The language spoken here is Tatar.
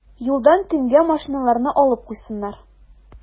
Юлдан төнгә машиналарны алып куйсыннар.